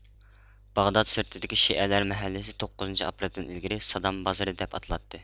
باغداد سىرتىدىكى شىئەلەر مەھەللىسى توققۇزىنچى ئاپرېلدىن ئىلگىرى سادام بازىرى دەپ ئاتىلاتتى